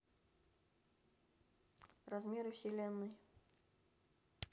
размеры вселенной